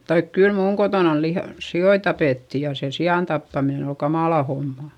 tai kyllä minun kotonani - sikoja tapettiin ja se sian tappaminen oli kamala homma